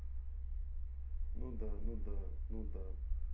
ну да ну да ну да